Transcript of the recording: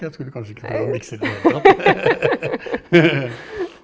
jeg skulle kanskje ikke prøvd å mikse i det hele tatt .